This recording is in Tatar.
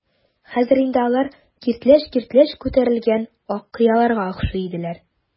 Хәзер инде алар киртләч-киртләч күтәрелгән ак кыяларга охшый иделәр.